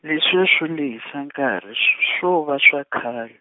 leswiya swo lehisa nkarhi s- swo va swa khale.